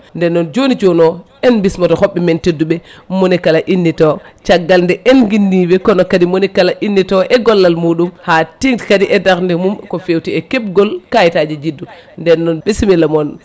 nden noon joni joni o en bismoto hoɓɓemen tedduɓe monkala inni to caggal de en guinniɓe kono kadi monikala innito e gollal muɗum ha tengti kadi e darde mum ko fewte e kebgol kayitaji juddu nden noon bissimilla moon